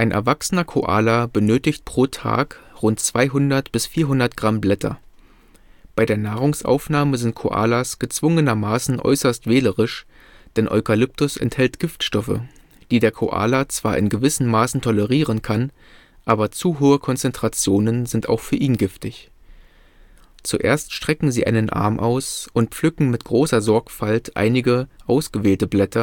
erwachsener Koala benötigt pro Tag rund 200 bis 400 Gramm Blätter. Bei der Nahrungsaufnahme sind Koalas gezwungenermaßen äußerst wählerisch, denn Eukalyptus enthält Giftstoffe, die der Koala zwar in gewissen Maßen tolerieren kann, aber zu hohe Konzentrationen sind auch für ihn giftig. Zuerst strecken sie einen Arm aus und pflücken mit großer Sorgfalt einige, ausgewählte Blätter